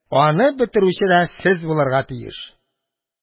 Аны бетерүче дә сез булырга тиеш